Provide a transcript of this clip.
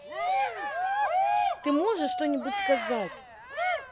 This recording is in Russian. ты можешь что нибудь сказать